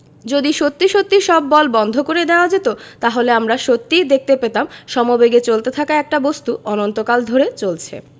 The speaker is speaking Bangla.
যদি সত্যি সত্যি সব বল বন্ধ করে দেওয়া যেত তাহলে আমরা সত্যিই দেখতে পেতাম সমবেগে চলতে থাকা একটা বস্তু অনন্তকাল ধরে চলছে